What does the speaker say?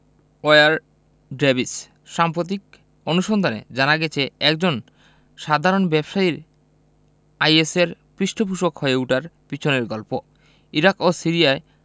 wire Davies সাম্প্রতিক অনুসন্ধানে জানা গেছে একজন সাধারণ ব্যবসায়ীর আইএসের পৃষ্ঠপোষক হয়ে ওঠার পেছনের গল্প ইরাক ও সিরিয়ায়